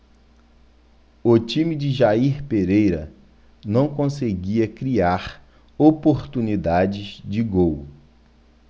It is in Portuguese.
o time de jair pereira não conseguia criar oportunidades de gol